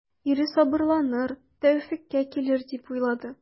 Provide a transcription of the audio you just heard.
Ире сабырланыр, тәүфыйкка килер дип уйлады.